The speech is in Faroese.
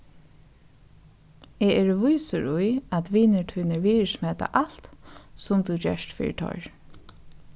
eg eri vísur í at vinir tínir virðismeta alt sum tú gert fyri teir